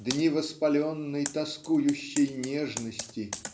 Дни воспаленной тоскующей нежности